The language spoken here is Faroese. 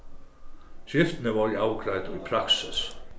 skiftini vórðu avgreidd í praksis